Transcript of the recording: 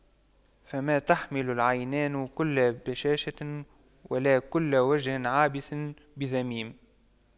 فما تحمد العينان كل بشاشة ولا كل وجه عابس بذميم